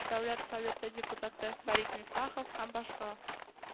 Дәүләт Советы депутаты Фәрит Мифтахов һәм башка